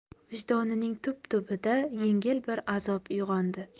vijdonining tub tubida yengil bir azob uyg'ondi